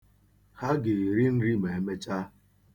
Ha ga-eri nri ma e mechaa.